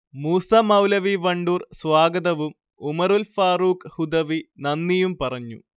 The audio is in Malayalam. മൂസമൗലവി വണ്ടൂർ സ്വാഗതവും ഉമറുൽ ഫാറൂഖ്ഹുദവി നന്ദിയും പറഞ്ഞു